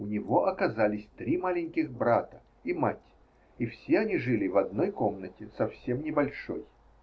У него оказались три маленьких брата и мать, и все они жили в одной комнате, совсем небольшой.